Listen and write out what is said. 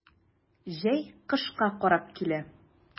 Җәй кышка карап килә.